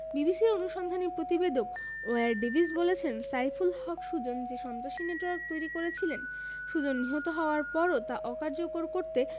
বিবিসির অনুসন্ধানী প্রতিবেদক ওয়্যার ডেভিস বলছেন সাইফুল হক সুজন যে সন্ত্রাসী নেটওয়ার্ক তৈরি করেছিলেন সুজন নিহত হওয়ার পরও তা অকার্যকর করতে